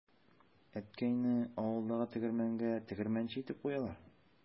Әткәйне авылдагы тегермәнгә тегермәнче итеп куялар.